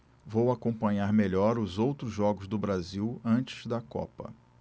vou acompanhar melhor os outros jogos do brasil antes da copa